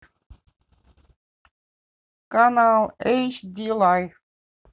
канал эйч ди лайф